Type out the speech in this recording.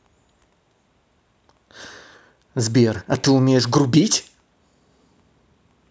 сбер а ты умеешь грубить